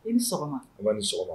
I ni sɔgɔma. Unba i ni sɔgɔma.